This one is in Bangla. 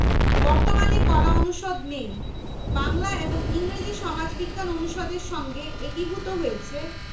৩ হাজার ৩৫ জন বিশ্ববিদ্যালয়ের দুটি ছাত্রাবাসে প্রায় এক হাজার শিক্ষার্থীর স্থান সংকুলান হয়